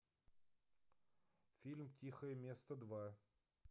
фильм тихое место два